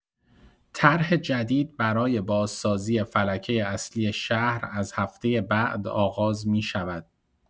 طرح جدید برای بازسازی فلکه اصلی شهر از هفته بعد آغاز می‌شود.